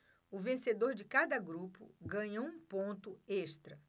o vencedor de cada grupo ganha um ponto extra